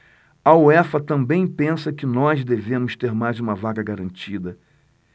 a uefa também pensa que nós devemos ter mais uma vaga garantida